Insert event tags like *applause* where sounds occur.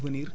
*hesitation* *hesitation*